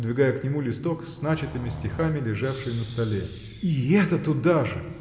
подвигая к нему листок с начатыми стихами лежавший на столе. – И это туда же!